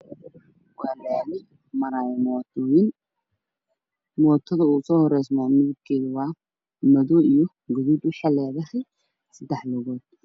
Waxaa maraayo bajaaj midabkeedu yahay guduud waxaa ka dhisan tendho waxaa hoosta dhigo